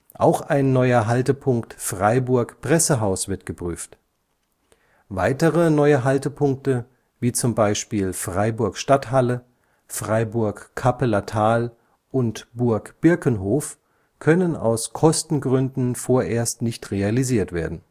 Auch ein neuer Haltepunkt Freiburg Pressehaus wird geprüft. Weitere neue Haltepunkte wie z.B. Freiburg Stadthalle, Freiburg Kappeler Tal und Burg Birkenhof können aus Kostengründen vorerst nicht realisiert werden